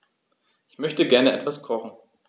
Ich möchte gerne etwas kochen.